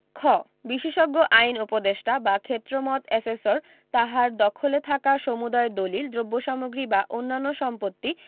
খ বিশেষজ্ঞ আইন উপদেষ্টা বা ক্ষেত্রমত এসেসর তাহার দখলে থাকা সমুদয় দলিল দ্রব্যসামগ্রী বা অন্যান্য সম্পত্তি